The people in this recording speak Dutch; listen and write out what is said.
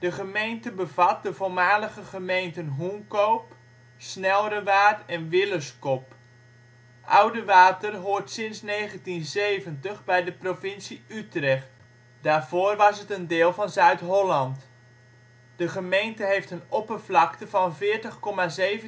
gemeente bevat de voormalige gemeenten Hoenkoop, Snelrewaard en Willeskop. Oudewater hoort sinds 1970 bij de provincie Utrecht, daarvoor was het een deel van Zuid-Holland. De gemeente heeft een oppervlakte van 40,17